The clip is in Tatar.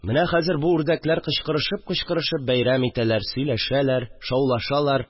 Менә хәзер бу үрдәкләр кычкырышып-кычкырышып бәйрәм итәләр, сөйләшәләр, шаулашалар;